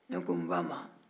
ne ko nba ma